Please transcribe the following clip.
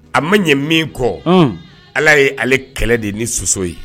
A man ɲɛ min kɔ ala ye ale kɛlɛ de ni soso ye